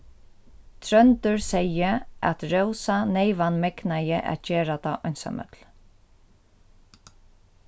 tróndur segði at rósa neyvan megnaði at gera tað einsamøll